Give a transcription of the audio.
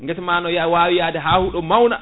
guessa ma ne wawi yaade ha huuɗo mawna